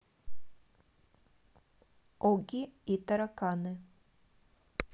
огги и тараканы